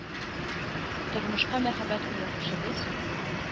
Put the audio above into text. – тормышка мәхәббәт уятучыбыз,